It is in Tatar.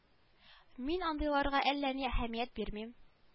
Мин андыйларга әллә ни әһәмият бирмим